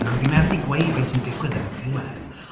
na, fi methu gweud beth sy'n digwydd yn y diwedd!